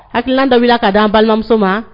Hakililan dɔbila k' d di an balimamuso ma